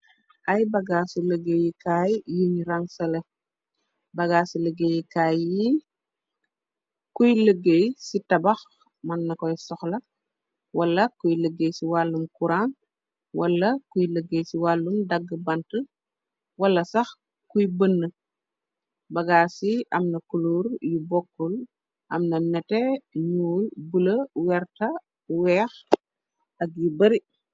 Ay bagaas ci lëggéeyi kaay yuñu ransaley. bagaas ci lëggéeyyi kaay yi kuy lëggéey ci tabax mën na koy sohla, wala kuy lëggéey ci wàllum kuran, wala kuy lëggéey ci wàllum dàgg bant, wala sax kuy bënn. Bagaas ci amna kuloor yu bokkul, amna nete, ñuul, bulo, vert, weeh ak yi bari.